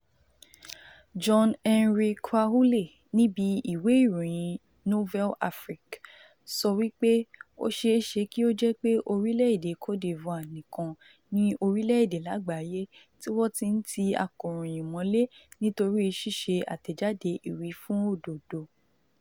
John Henry Kwahulé níbi Ìwé Ìròyìn Nouvelle Afrique sọ wípé ó ṣeéṣe kí ó jẹ́ pé orílẹ̀ èdè Cote d'Ivoire nìkan ni orílẹ̀-èdè lágbàáyé tí wọ́n ti ń tí akọ̀ròyìn mọ́lé nítorí ṣíṣe àtẹ̀jáde ìwífún òdodo.